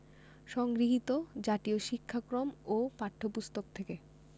সংগৃহীত জাতীয় শিক্ষাক্রম ও পাঠ্যপুস্তক থেকে